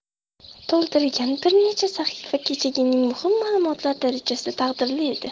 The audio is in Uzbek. to'ldirilgan bir necha sahifa kechagina muhim ma'lumotlar darajasida qadrli edi